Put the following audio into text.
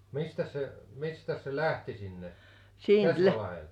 mistäs se mistäs se lähti sinne Kesvalahdelta